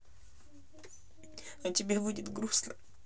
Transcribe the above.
а тебе будет грустно